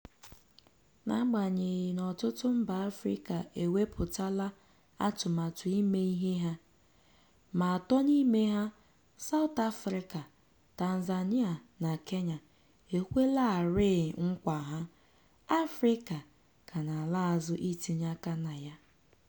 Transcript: N'agbanyeghị na ọtụtụ mba Afrịka ewepụtala atụmatụ ime ihe ha, ma atọ n'ime ha - South Africa, Tanzania, na Kenya - ekwelarịị nkwa ha, Afrịka ka na-ala azụ itinye aka na ya.